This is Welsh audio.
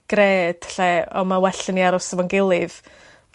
gred lle o ma' well i ni aros efo 'n gilydd.